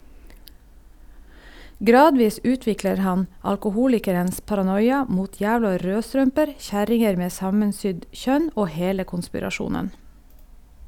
Gradvis utvikler han alkoholikerens paranoia, mot jævla rødstrømper, kjerringer med sammensydd kjønn og hele konspirasjonen.